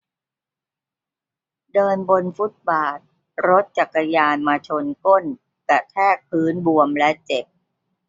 เดินบนฟุตบาทรถจักรยานมาชนก้นกระแทกพื้นบวมและเจ็บ